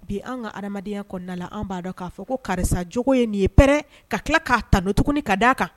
Bi an ka ha adamadenya kɔnɔna an b'a dɔn k'a fɔ ko karisaogo ye nin yepɛɛrɛ ka tila k'a tan tugun ka d da a kan